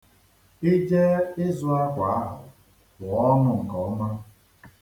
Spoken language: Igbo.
I jee ịzụ akwa ahụ, hụọ ọnụ nke ọma.